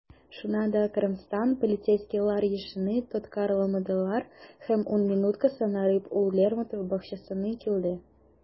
Шуңа да карамастан, полицейскийлар Яшинны тоткарламадылар - һәм ун минутка соңарып, ул Лермонтов бакчасына килде.